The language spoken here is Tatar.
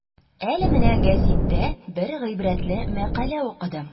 Әле менә гәзиттә бер гыйбрәтле мәкалә укыдым.